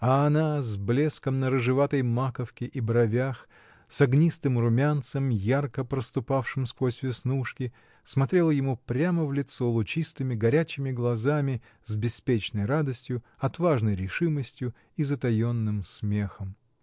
А она, с блеском на рыжеватой маковке и бровях, с огнистым румянцем, ярко проступавшим сквозь веснушки, смотрела ему прямо в лицо лучистыми, горячими глазами, с беспечной радостью, отважной решимостью и затаенным смехом.